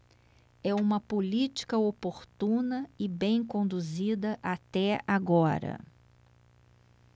é uma política oportuna e bem conduzida até agora